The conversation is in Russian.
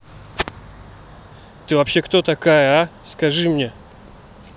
ты вообще кто такая а скажи мне